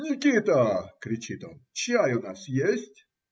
- Никита, - кричит он, - чай у нас есть?